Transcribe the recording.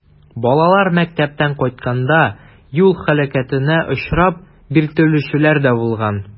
Балалар мәктәптән кайтканда юл һәлакәтенә очрап, биртелүчеләр дә булган.